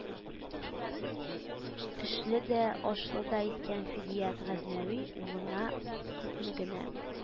Эшле дә, ашлы да иткән фидият газнәви улына күпме генә